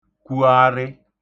kwuarị